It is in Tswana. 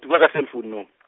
ke bua ka cell founu .